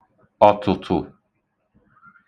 ọ̀tụ̀tụ̀